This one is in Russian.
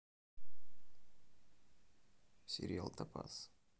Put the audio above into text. сериал топаз